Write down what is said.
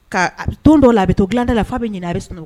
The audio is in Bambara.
Don dɔ la a bɛ to dilanda la a bɛ ɲinɛ a bɛ sunɔgɔ